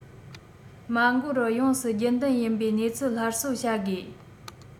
མ འགོར བར ཡོངས སུ རྒྱུན ལྡན ཡིན པའི གནས ཚུལ སླར གསོ བྱ དགོས